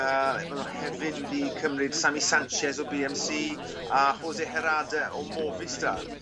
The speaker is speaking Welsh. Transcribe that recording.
A ma' n'w hefyd wedi cymryd Sammy Sanchez o Bee Em See a Jose Herrada o Movistar.